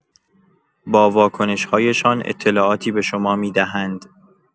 با واکنش‌هایشان اطلاعاتی به شما می‌دهند.